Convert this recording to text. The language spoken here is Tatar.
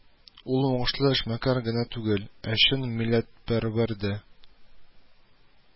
Ул уңышлы эшмәкәр генә түгел, ә чын милләтпәрвәр дә